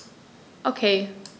Okay.